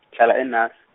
ngihlala eNasi.